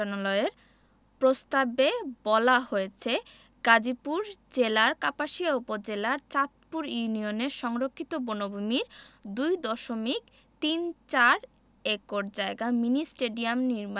পরিবেশ ও বন মন্ত্রণালয়ের প্রস্তাবে বলা হয়েছে গাজীপুর জেলার কাপাসিয়া উপজেলার চাঁদপুর ইউনিয়নের সংরক্ষিত বনভূমির ২ দশমিক তিন চার